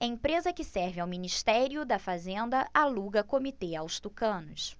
empresa que serve ao ministério da fazenda aluga comitê aos tucanos